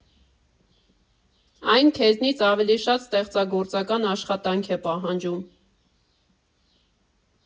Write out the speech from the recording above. Այն քեզնից ավելի շատ ստեղծագործական աշխատանք է պահանջում։